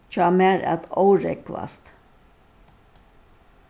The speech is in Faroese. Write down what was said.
hjá mær at órógvast